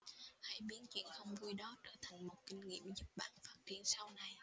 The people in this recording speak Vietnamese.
hãy biến chuyện không vui đó trở thành một kinh nghiệm giúp bạn phát triển sau này